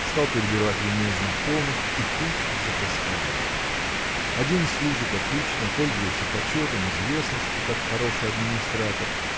стал перебирать в уме знакомых – и пуще затосковал. Один служит отлично пользуется почетом известностью как хороший администратор